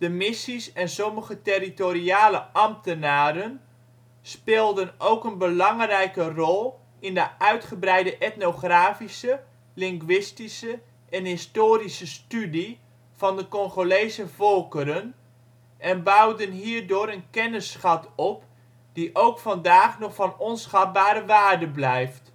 missies en sommige territoriale ambtenaren speelden ook een belangrijke rol in de uitgebreide etnografische, linguïstische en historische studie van de Congolese volkeren, en bouwden hierdoor een kennisschat op die ook vandaag nog van onschatbare waarde blijft